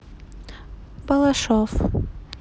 балашов